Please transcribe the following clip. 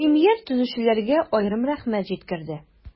Премьер төзүчеләргә аерым рәхмәт җиткерде.